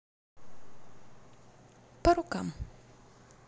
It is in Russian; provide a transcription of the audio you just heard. по рукам